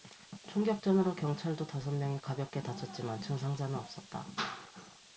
총격전으로 경찰도 다섯 명이 가볍게 다쳤지만 중상자는 없었다